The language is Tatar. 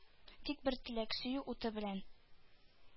Тик бер теләк: сөю уты белән